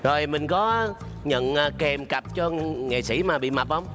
rồi mình có nhận kèm cặp cho nghệ sĩ mà bị mập hông